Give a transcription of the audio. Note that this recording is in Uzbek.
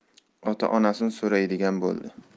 ota onasini so'raydigan bo'ldi